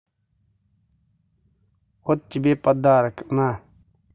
вот тебе подарок на